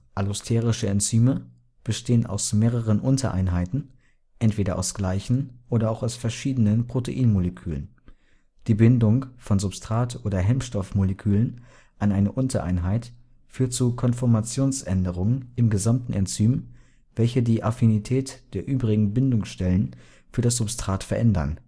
Allosterische Enzyme bestehen aus mehreren Untereinheiten (entweder aus gleichen oder auch aus verschiedenen Proteinmolekülen). Die Bindung von Substrat - oder Hemmstoff-Molekülen an eine Untereinheit führt zu Konformationsänderungen im gesamten Enzym, welche die Affinität der übrigen Bindungsstellen für das Substrat verändern